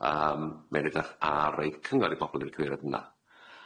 Yym mae o'n edrach ar eu cyngor i bobol yn y cyfeiriad 'na